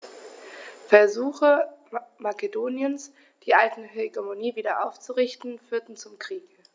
Versuche Makedoniens, die alte Hegemonie wieder aufzurichten, führten zum Krieg.